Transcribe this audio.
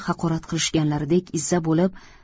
haqorat qilishganlaridek izza bo'lib